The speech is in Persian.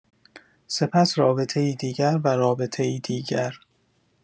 سپس رابطه‌ای دیگر و رابطه‌ای دیگر